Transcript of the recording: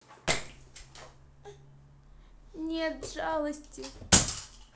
нет жалости